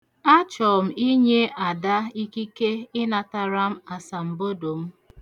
Achọ m inye Ada ikike ịnatara m asambodo m.